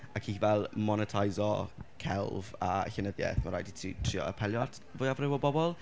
Ac i fel moneteiso celf a llenyddiaith, mae'n rhaid i ti trio apelio at fwyafrif o bobl.